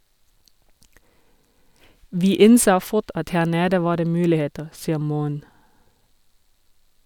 Vi innså fort at her nede var det muligheter, sier Moen.